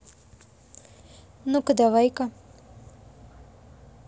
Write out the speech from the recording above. ну ка давай ка